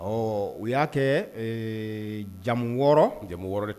Ɔ o y'a kɛ jamu wɔɔrɔ jamu wɔɔrɔ